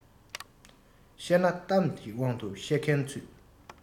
བཤད ན གཏམ གྱི དབང དུ བཤད མཁན ཚུད